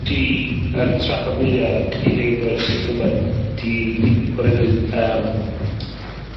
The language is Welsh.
'di, yr traffa mwya i efo'r sfyllfa 'ma 'di dim o reidrwydd yym,